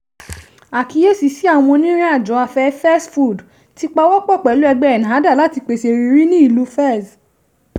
(Àkíyèsí sí àwọn onírìn-àjò afẹ́: Fez Food ti pawọ́ pọ̀ pẹ̀lú Ẹgbẹ́ ENNAHDA láti pèsè ìrírí ní ìlú Fez.)